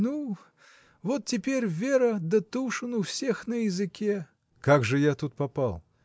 Ну вот теперь Вера да Тушин у всех на языке. — Как же я тут попал?